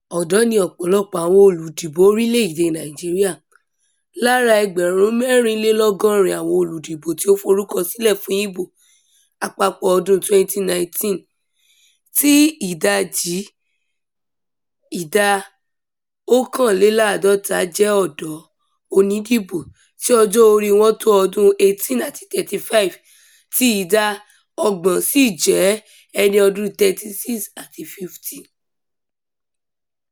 Ọ̀dọ́ ni ọ̀pọ̀lọpọ̀ àwọn olùdìbò orílẹ̀-èdèe Nàìjíríà. Lára ẹgbẹẹgbẹ̀rún 84 àwọn olùdìbò tí ó forúkọsílẹ̀ fún Ìbò Àpapọ̀ ọdún-un 2019, tí ìdajì — ìdá 51 — jẹ́ ọ̀dọ́ òǹdìbò tí ọjọ́ oríi wọ́n tó ọdún 18 àti 35, tí ìdá 30 sì jẹ́ ẹni ọdún 36 àti 50.